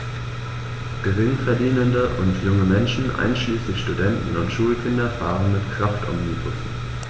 Geringverdienende und junge Menschen, einschließlich Studenten und Schulkinder, fahren mit Kraftomnibussen.